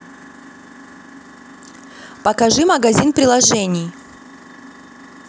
покажи магазин приложений